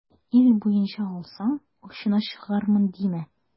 Ил буенча алсаң, очына чыгармын димә.